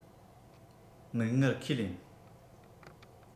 མིག སྔར ཁས ལེན